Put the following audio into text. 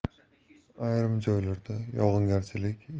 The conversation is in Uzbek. ayrim joylarda yog'ingarchilik